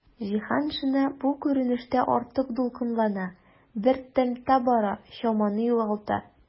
Җиһаншина бу күренештә артык дулкынлана, бер темпта бара, чаманы югалта.